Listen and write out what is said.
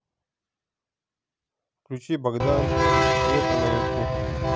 включи богдан и света на ютубе